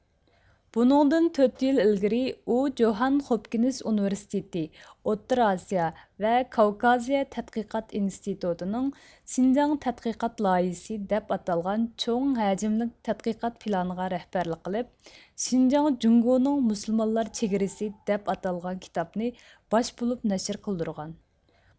بۇنىڭدىن تۆت يىل ئىلگىرى ئۇ جوھان خوپكىنس ئۇنىۋىرسىتېتى ئوتتۇرا ئاسىيا ۋە كاۋكازىيە تەتقىقات ئىنىستىتۇتىنىڭ شىنجاڭ تەتقىقات لايىھىسى دەپ ئاتالغان چوڭ ھەجىملىك تەتقىقات پىلانىغا رەھبەرلىك قىلىپ شىنجاڭ جۇڭگونىڭ مۇسۇلمانلار چېگرىسى دەپ ئاتالغان كىتابنى باش بولۇپ نەشىر قىلدۇرغان